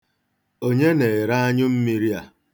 Onye na-ere anyụmmiri a?